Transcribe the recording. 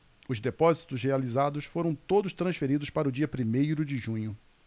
os depósitos realizados foram todos transferidos para o dia primeiro de junho